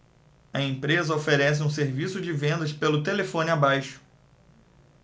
a empresa oferece um serviço de vendas pelo telefone abaixo